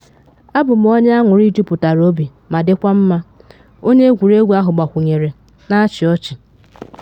A bụ m onye anụrị juputara obi ma dịkwa mma,” onye egwuregwu ahụ gbakwunyere, na-achị ọchị.